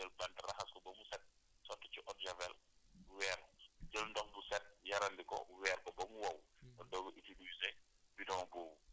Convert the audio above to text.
dañu jël omo jël njàmpe dugal ci biir jël bant raxas ko ba mu set sotti ci eau de javel weer jël ndox bu set yarandi ko weer ko ba mu wow